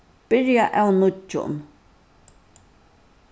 byrja av nýggjum